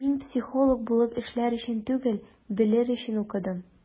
Мин психолог булып эшләр өчен түгел, белер өчен укыдым.